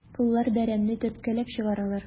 Коллар бәрәнне төрткәләп чыгаралар.